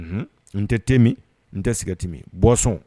Unhun n tɛ temi n tɛ s temi bɔnsɔn